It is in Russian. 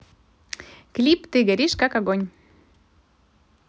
клип ты горишь как огонь